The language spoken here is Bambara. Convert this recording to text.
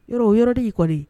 Yɔrɔ o yɔrɔ de y'i kɔni